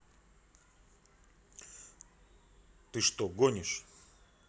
ты что гонишь